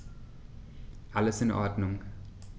Alles in Ordnung.